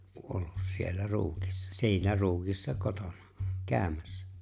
kuollut siellä Ruutissa siinä Ruudissa kotonaan käymässä